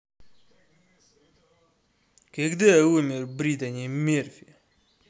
когда умер британи мерфи